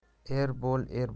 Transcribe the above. er bo'l er